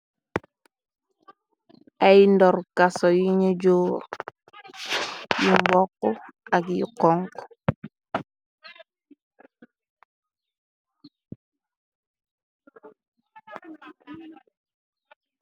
ay ndor kaso yi ne joor yi mbokko ak yi koŋko.